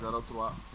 03